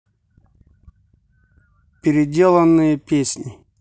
переделанные песни